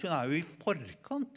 hun er jo i forkant.